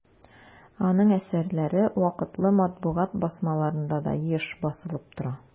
Аның әсәрләре вакытлы матбугат басмаларында да еш басылып тора.